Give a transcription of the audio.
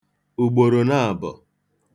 ùgbòrò naàbọ̀